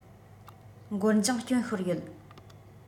འགོར འགྱངས སྐྱོན ཤོར ཡོད